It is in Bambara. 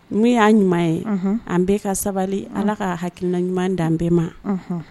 N y'a ɲuman ye an bɛɛ ka sabali ala k kaa hakiliina ɲuman dan bɛɛ ma